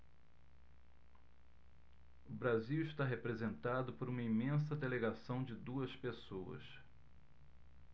o brasil está representado por uma imensa delegação de duas pessoas